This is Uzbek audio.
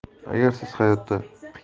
agar siz hayotga qiymat